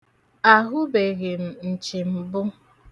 Ahụbeghị m nchi mbu.